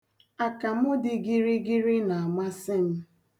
Akamụ dị gịrịgịrị na-amasị m.